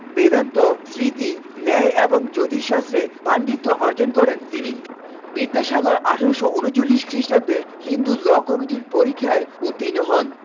বেদান্ত স্মৃতি ন্যায় এবং জ্যোতিষ শাস্ত্রে পান্ডিত্য অর্জন করেন তিনি বিদ্যাসাগর ১৮৩৯ খ্রিস্টাব্দে হিন্দু ল কম পরীক্ষায় উত্তীর্ণ হন